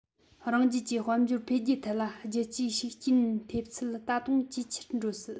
རང རྒྱལ གྱི དཔལ འབྱོར འཕེལ རྒྱས ཐད ལ རྒྱལ སྤྱིའི ཤུགས རྐྱེན ཐེབས ཚད ད དུང ཇེ ཆེར འགྲོ སྲིད